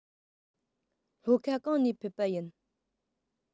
ལྷོ ཁ གང ནས ཕེབས པ ཡིན